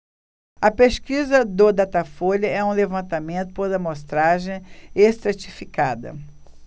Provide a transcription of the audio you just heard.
a pesquisa do datafolha é um levantamento por amostragem estratificada